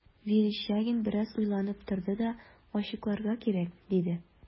Верещагин бераз уйланып торды да: – Ачыкларга кирәк,– диде.